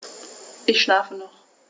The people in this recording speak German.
Ich schlafe noch.